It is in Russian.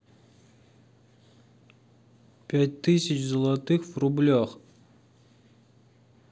пять тысяч злотых в рублях